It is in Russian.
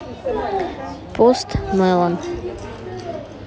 пост мэлон